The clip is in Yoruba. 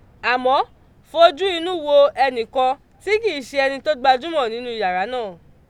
Àmọ́, fojú inú wo ẹnì kan tí kì í ṣe ẹni tó gbajúmọ̀ nínú yàrá náà.